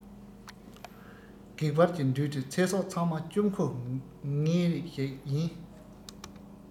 བགེག བར གྱི མདུན དུ ཚེ སྲོག ཚང མ སྐྱོབ མཁོ ངེས ཞིག ཡིན